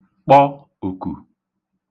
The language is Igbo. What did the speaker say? kpọ òkù